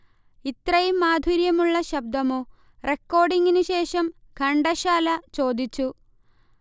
'ഇത്രയും മാധുര്യമുള്ള ശബ്ദമോ' റെക്കോർഡിംഗിന് ശേഷം ഘണ്ടശാല ചോദിച്ചു